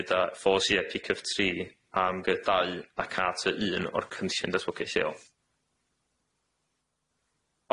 gyda pholysïa py i cy tri a em gy dau ac a ty un o'r cynllun datblygu lleol.